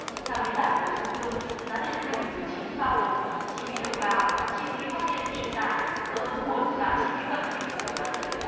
theo lý giải của bộ công thương giá điện năm hai nghìn mười chín bao gồm chi phí đầu vào chi phí phát điện truyền tải cơ cấu nguồn và chi phí vận hành của tập đoàn điện lực